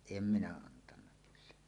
en minä antanut kyllä